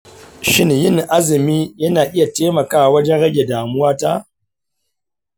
shin yin azumi yana iya taimakawa wajen rage damuwata?